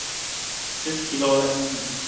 siz kelaolasizmi